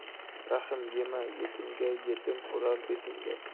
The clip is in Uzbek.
rahm yema yetimga yetim urar betingga